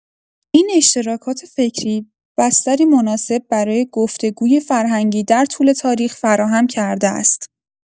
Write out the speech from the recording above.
این اشتراکات فکری، بستری مناسب برای گفت‌وگوی فرهنگی در طول تاریخ فراهم کرده است.